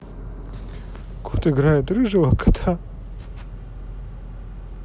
кот играет рыжего кота